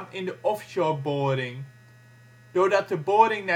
in de offshoreboring. Doordat de boring